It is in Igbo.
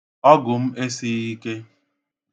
Ọgụ m esighi ike.